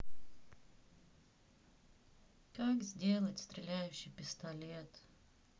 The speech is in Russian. как сделать стреляющий пистолет